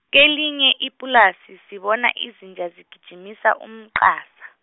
kelinye ipulasi, sibona izinja zigijimisa umqasa.